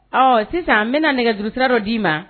Ɔ sisan n bɛna na nɛgɛjurusira dɔ d dii ma